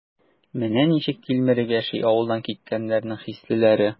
Менә ничек тилмереп яши авылдан киткәннәрнең хислеләре?